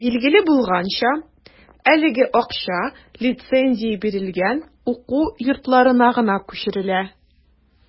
Билгеле булганча, әлеге акча лицензия бирелгән уку йортларына гына күчерелә.